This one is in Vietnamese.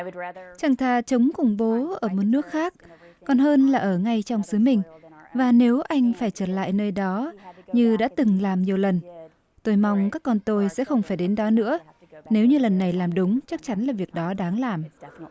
chẳng thà chống khủng bố ở một nước khác còn hơn là ở ngay trong xứ mình và nếu anh phải trở lại nơi đó như đã từng làm nhiều lần tôi mong các con tôi sẽ không phải đến đó nữa nếu như lần này làm đúng chắc chắn là việc đó đáng làm